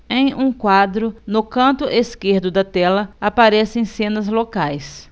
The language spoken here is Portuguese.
em um quadro no canto esquerdo da tela aparecem cenas locais